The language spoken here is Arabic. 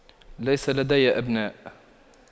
ليس لدي أبناء